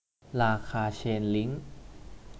ราคาเชนลิ้ง